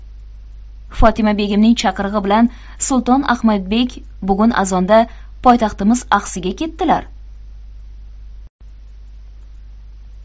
fotima begimning chaqirig'i bilan sulton ahmadbek bugun azonda poytaxtimiz axsiga ketdilar